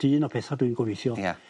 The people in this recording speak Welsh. ...di un o'r petha dwi'n gobeithio. Ia.